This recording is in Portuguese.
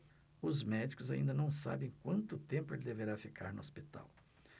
os médicos ainda não sabem quanto tempo ele deverá ficar no hospital